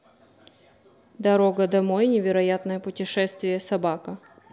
дорога домой невероятное путешествие собака